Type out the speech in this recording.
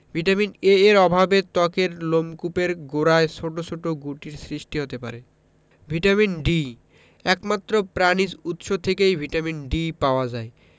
vitamin A এর অভাবে ত্বকের লোমকূপের গোড়ায় ছোট ছোট গুটির সৃষ্টি হতে পারে ভিটামিন ডি একমাত্র প্রাণিজ উৎস থেকেই ভিটামিন ডি পাওয়া যায়